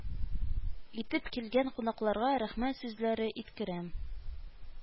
Итеп килгән кунакларга рәхмәт сүзләре иткерәм